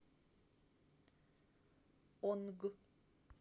онг